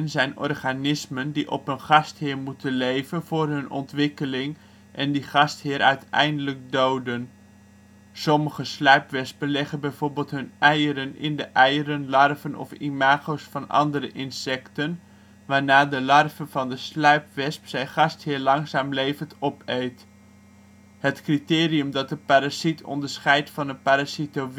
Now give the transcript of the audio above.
zijn organismen die op een gastheer moeten leven voor hun ontwikkeling en die gastheer uiteindelijk doden. Sommige sluipwespen leggen b.v. hun eieren in de eieren, larven of imago 's van andere insecten, waarna de larve van de sluipwesp zijn gastheer langzaam levend opeet. Het criterium dat een parasiet onderscheidt van een parasitoïde